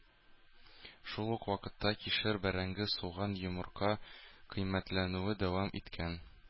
Шул ук вакытта кишер, бәрәңге, суган, йомырка кыйммәтләнүен дәвам иткән.